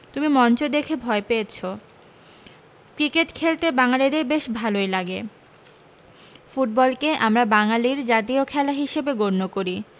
তুমি মঞ্চ দেখে ভয় পেয়েছো ক্রিকেট খেলতে বাঙালীদের বেশ ভালোই লাগে ফুটবলকে আমরা বাঙালির জাতীয় খেলা হিসাবে গন্য করি